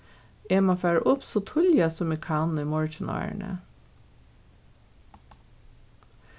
eg má fara upp so tíðliga sum eg kann í morgin árini